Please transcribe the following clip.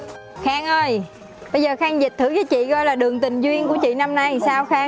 khang ơi bây giờ khang dịch thử cho chị coi là đường tình duyên của chị năm nay sao khang